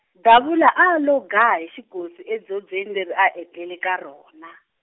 Davula a a lo gaa hi xikosi edzobyeni leri a etlela ka rona.